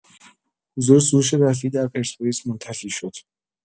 حضور سروش رفیعی در پرسپولیس منتفی شد!